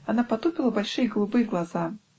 она потупила большие голубые глаза